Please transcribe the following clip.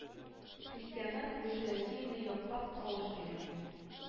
Крестьяннар буржуазияне яклап тавыш бирәләр